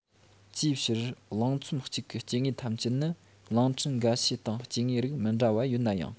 ཅིའི ཕྱིར གླིང ཚོམ གཅིག གི སྐྱེ དངོས ཐམས ཅད ནི གླིང ཕྲན འགའ ཤས སྟེང སྐྱེ དངོས རིགས མི འདྲ བ ཡོད ནའང